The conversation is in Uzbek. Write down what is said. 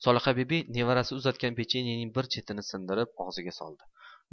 solihabibi nevarasi uzatgan pechenening bir chetini sindirib og'ziga soldi